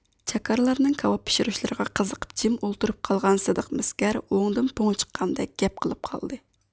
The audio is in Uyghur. چاكارلارنىڭ كاۋاپ پىشۇرۇشلىرىغا قىزىقىپ جىم ئولتۇرۇپ قالغان سىدىق مىسكەر ھوڭدىن پوڭ چىققاندەك گەپ قىلىپ قالدى